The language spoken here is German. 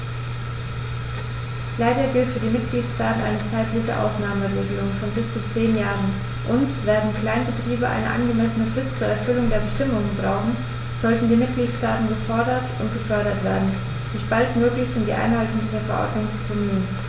Leider gilt für die Mitgliedstaaten eine zeitliche Ausnahmeregelung von bis zu zehn Jahren, und, während Kleinbetriebe eine angemessene Frist zur Erfüllung der Bestimmungen brauchen, sollten die Mitgliedstaaten gefordert und gefördert werden, sich baldmöglichst um die Einhaltung dieser Verordnung zu bemühen.